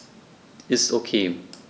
Ist OK.